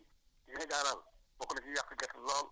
yi nga xam ne moo gën a mun a yàq gerte gi gànnaaw ci ci premier bi